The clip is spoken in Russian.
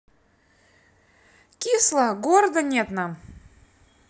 кисло города нет нам